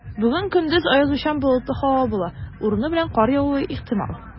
Бүген көндез аязучан болытлы һава була, урыны белән кар явуы ихтимал.